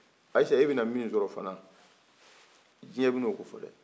ayisa a bina min sɔrɔ fana diɲɛ bina o ko fɔ dɛ